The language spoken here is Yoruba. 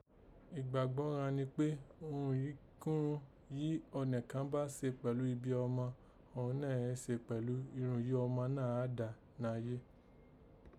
Ìgbàgbọ́ ghan ni kpé, irunkírun yìí ọnẹkọ́nẹ bá se pẹ̀lú ibi ọma ó nẹ́ í se pẹ̀lú irún yìí ọma ná ra dà nayé